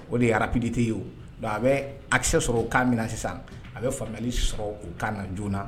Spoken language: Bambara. O de ye arapdite ye don a bɛ akisɛ sɔrɔ kan minɛ sisan a bɛ faamuyali sɔrɔ u kan na joona na